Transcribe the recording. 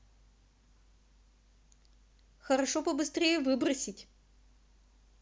хорошо побыстрее выбросить